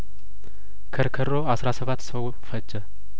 ከርከሮ አስራ ስባት ሰው ፈጀ